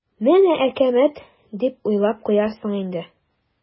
"менә әкәмәт" дип уйлап куясың инде.